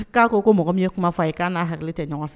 I'a ko mɔgɔ min ye kuma fɔ a ye' n' hakili tɛ ɲɔgɔn fɛ